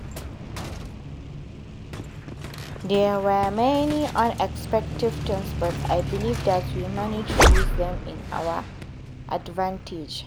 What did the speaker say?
There were many unexpected things, but I believe that we managed to use them in our advantage.